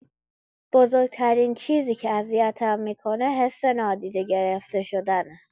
بزرگ‌ترین چیزی که اذیتم می‌کنه حس نادیده گرفته شدنه.